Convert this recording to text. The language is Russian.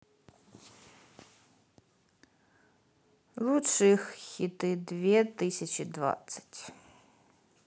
лучшие хиты две тысячи двадцать